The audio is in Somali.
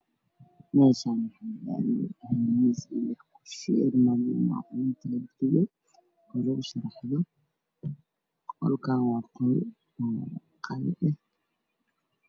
Meeshan waxaa iga muuqda armaajo cadaanna miis caddaana kursi cadaanna iyo daah guduudan